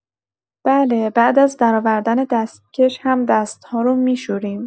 بله، بعد از درآوردن دستکش هم دست‌ها رو می‌شوریم.